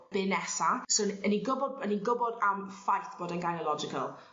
be' nesa so n- 'yn ni gwbo o'n i'n gwbod am ffaith bod e'n gynelogical